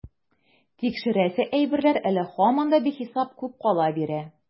Тикшерәсе әйберләр әле һаман да бихисап күп кала бирә.